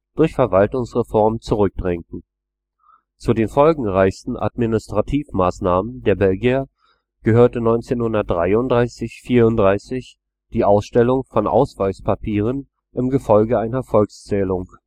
durch Verwaltungsreformen zurückdrängten. Zu den folgenreichsten Administrativmaßnahmen der Belgier gehörte 1933 / 34 die Ausstellung von Ausweispapieren im Gefolge einer Volkszählung